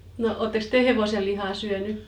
no olettekos te hevosenlihaa syönyt